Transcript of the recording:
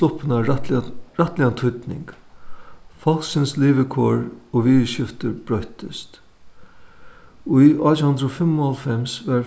sluppirnar rættiliga rættiligan týdning fólksins livikor og viðurskiftir broyttust í átjan hundrað og fimmoghálvfems varð